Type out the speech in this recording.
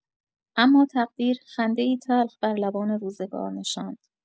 اما تقدیر، خنده‌ای تلخ بر لبان روزگار نشاند.